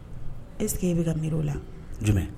Eseke e bɛ ka mi o la jumɛn